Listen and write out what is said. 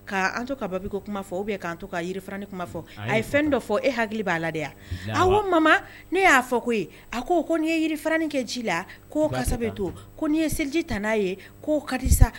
K'an to ka banko kuma fɔ o bɛ'an to ka yiriranin kuma fɔ a ye fɛn dɔ fɔ e hakili b'a la yan aw mama ne y'a fɔ ko ye a ko ko ni ye yiriin kɛ ji la k'sɛbɛ to ko n'i ye seliji ta n'a ye k'o kasa